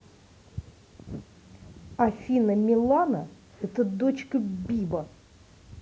афина милана это дочка биба